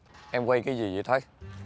em quay cái gì dậy thái